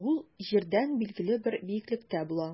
Ул җирдән билгеле бер биеклектә була.